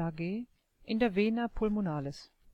mmHg) in der Vena pulmonalis